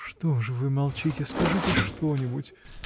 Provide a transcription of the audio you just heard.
— Что ж вы молчите: скажите что-нибудь?